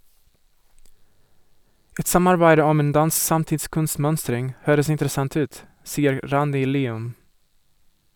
- Et samarbeid om en dansk samtidskunstmønstring høres interessant ut, sier Randi Lium.